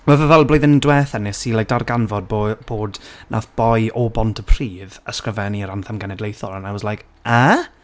Ma' fe fel blwyddyn diwetha, wnes i like darganfod bod bod wnaeth boi o Bontypridd ysgrifennu'r anthem genedlaethol, and I was like eh?!